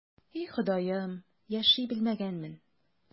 И, Ходаем, яши белмәгәнмен...